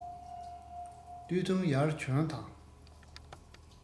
སྟོད འཐུང ཡར གྱོན དང